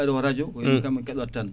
ɓayde ko radio joni kam en keɗoto tan